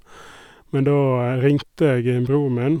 Men da ringte jeg bror min.